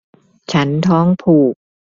ฉันท้องผูก